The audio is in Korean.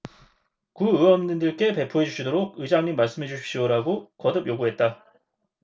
구의원님들께 배포해 주시도록 의장님 말씀해 주십시오라고 거듭 요구했다